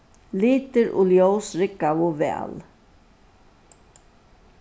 litir og ljós riggaðu væl